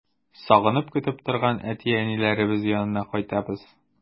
Сагынып көтеп торган әти-әниләребез янына кайтабыз.